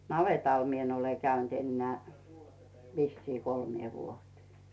navetalla minä en ole käynyt enää vissiin kolmeen vuoteen